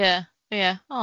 Ia, ia.